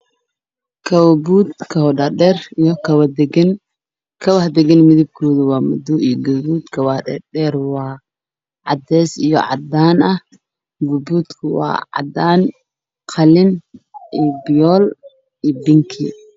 Halkaan waxaa ka muuqdo iskafaalo ay saaran yihiin kabo waxaana u badan baabuud